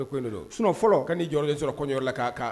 Don sun fɔlɔ ka ni jɔlen sɔrɔnyɔrɔ la' kan